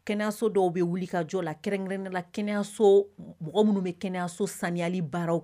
Kɛnɛso dɔw bɛ wuli ka jɔ la kɛrɛnnenla kɛnɛyaso mɔgɔ minnu bɛ kɛnɛyaso saniyali baaraw